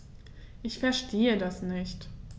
Ich verstehe das nicht.